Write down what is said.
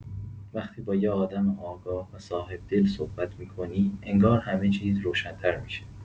وقتی با یه آدم آگاه و صاحب‌دل صحبت می‌کنی، انگار همه چیز روشن‌تر می‌شه.